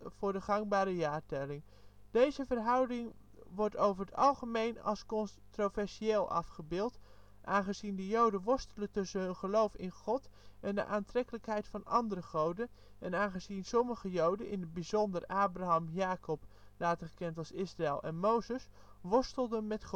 voor de gangbare jaartelling). Deze verhouding wordt over het algemeen als controversieel afgebeeld, aangezien de joden worstelen tussen hun geloof in God en de aantrekkelijkheid van andere goden, en aangezien sommige joden (in het bijzonder Abraham, Jacob — later gekend als Israël — en Mozes) worstelden met God